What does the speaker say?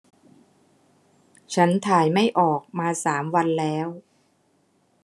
ฉันถ่ายไม่ออกมาสามวันแล้ว